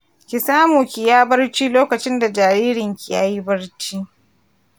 ki samu kiya barci lokacin da jaririnki ya yi barci.